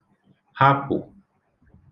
hapụ̀